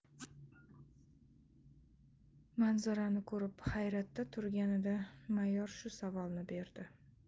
manzarani ko'rib hayratda turganida mayor shu savolni berdi